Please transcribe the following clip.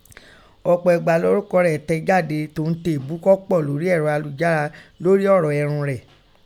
Ọpọ ẹ̀gba lọrukọ rẹ tẹ jade tòun teebu kọ́ pọ̀ lori ẹ̀rọ ayelujara lori ọrọ ẹrun rẹ.